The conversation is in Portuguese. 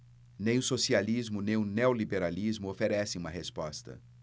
nem o socialismo nem o neoliberalismo oferecem uma resposta